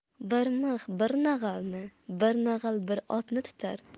bir mix bir nag'alni bir nag'al bir otni tutar